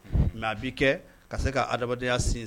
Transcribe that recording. Mais a b'i kɛ ka se ka adamadenya sinsin